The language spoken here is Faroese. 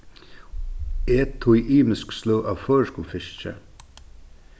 et tí ymisk sløg av føroyskum fiski